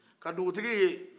ka dugutigi yen